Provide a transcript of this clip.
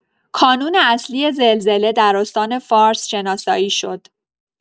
کانون اصلی زلزله در استان فارس شناسایی شد.